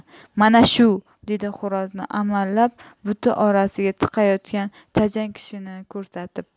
mana shu dedi xo'rozni amallab buti orasiga tiqayotgan tajang kishini ko'rsatib